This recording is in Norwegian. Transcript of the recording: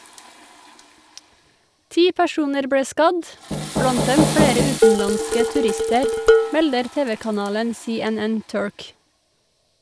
Ti personer ble skadd , blant dem flere utenlandske turister, melder TV-kanalen CNN-Turk.